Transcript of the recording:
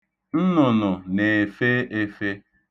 Nnụnụ na-efe efe.